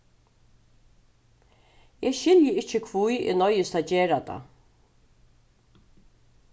eg skilji ikki hví eg noyðist at gera tað